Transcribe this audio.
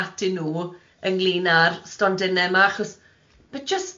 atyn nhw ynglyn â'r stondinne 'ma chos ma' just